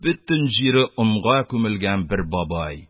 Бөтен җире онга күмелгән бер бабай.